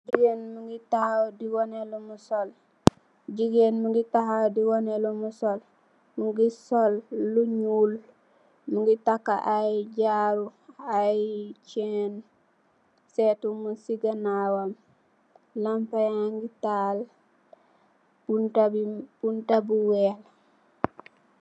Jegain muge tahaw de wanee lum sol, jegain muge tahaw de wanee lum sol muge sol lu njol muge taka ayee jaaru, aye chin seetu mugse ganawam lampa yage taal bunta be bunta bu weeh.